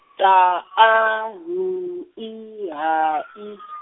T A N I H I.